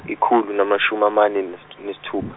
ikhulu namashumi amane nes- nesithupa.